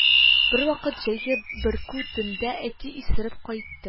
Бервакыт җәйге бөркү төндә әти исереп кайтты